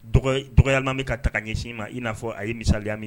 Dɔgɔyalima bɛ ka taa ɲɛsin i ma i n'a fɔ a ye misaliya min